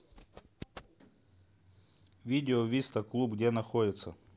видео виста клуб где находится